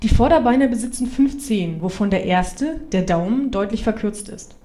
Vorderbeine besitzen fünf Zehen, wovon der erste, der Daumen, deutlich verkürzt ist